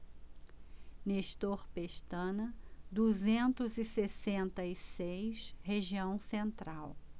nestor pestana duzentos e sessenta e seis região central